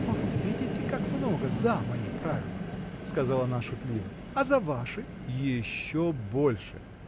— Вот видите, как много за мои правила, — сказала она шутливо. — А за ваши?. — Еще больше!